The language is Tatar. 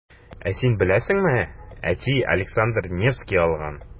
Ә син беләсеңме, әти Александр Невский алган.